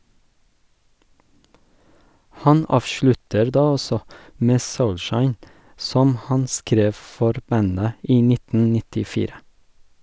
Han avslutter da også med "Soulshine", som han skrev for bandet i 1994.